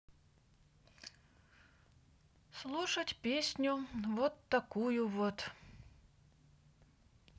слушать песню вот такую вот